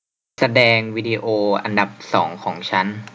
แสดงวิดีโออันดับสองของฉัน